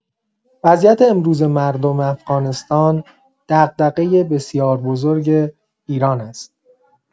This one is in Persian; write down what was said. وضعیت امروز مردم افغانستان دغدغه بسیار بزرگ ایران است.